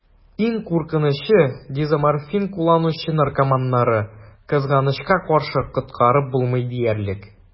Иң куркынычы: дезоморфин кулланучы наркоманнарны, кызганычка каршы, коткарып булмый диярлек.